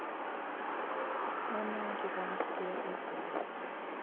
самые гигантские акулы